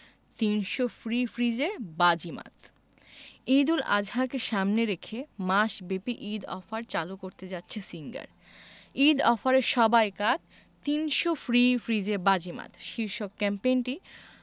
৩০০ free ফ্রিজে বাজিমাত ঈদুল আজহাকে সামনে রেখে মাসব্যাপী ঈদ অফার চালু করতে যাচ্ছে সিঙ্গার ঈদ অফারে সবাই কাত ৩০০ ফ্রি ফ্রিজে বাজিমাত শীর্ষক ক্যাম্পেইনটি